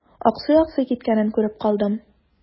Аксый-аксый киткәнен күреп калдым.